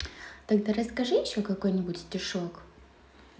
тогда расскажи еще какой нибудь стишок